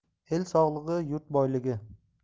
el sog'ligi yurt boyligi